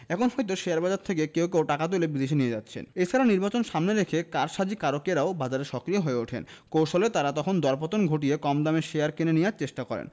এখন হয়তো শেয়ারবাজার থেকে কেউ কেউ টাকা তুলে বিদেশে নিয়ে যাচ্ছেন এ ছাড়া নির্বাচন সামনে রেখে কারসাজিকারকেরাও বাজারে সক্রিয় হয়ে ওঠেন কৌশলে তাঁরা তখন দরপতন ঘটিয়ে কম দামে শেয়ার কিনে নেওয়ার চেষ্টা করেন